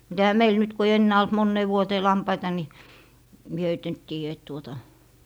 mutta eihän meillä nyt kun ei enää ollut moneen vuoteen lampaita niin minä heitä nyt tiedä että tuota